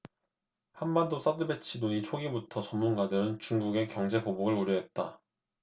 한반도 사드 배치 논의 초기부터 전문가들은 중국의 경제 보복을 우려했다